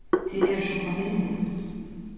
tit eru sum familja